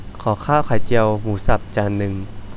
ขอข้าวไข่เจียวหมูสับจานนึง